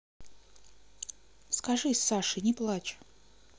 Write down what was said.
скажи саше не плачь